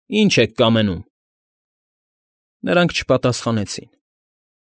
Ի՞նչ եք կամենում… Նրան չպատասխանեցին։